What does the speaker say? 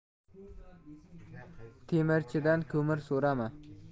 temirchidan ko'mir so'rama